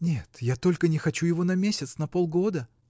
— Нет, я только не хочу его на месяц, на полгода.